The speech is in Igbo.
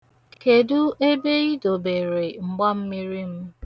Kedu ebe idobere mgbammiri m?